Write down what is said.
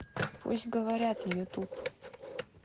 пусть говорят ютуб